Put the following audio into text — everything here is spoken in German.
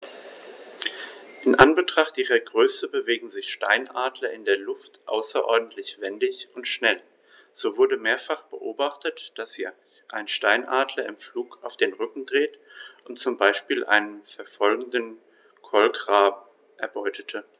In Anbetracht ihrer Größe bewegen sich Steinadler in der Luft außerordentlich wendig und schnell, so wurde mehrfach beobachtet, wie sich ein Steinadler im Flug auf den Rücken drehte und so zum Beispiel einen verfolgenden Kolkraben erbeutete.